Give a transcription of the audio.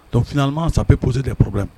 Dɔnkuc finama sap posi de poro